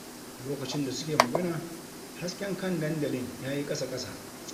A lokacin da suke magana, hasken kan dandalin ya yi ƙasa-ƙasa.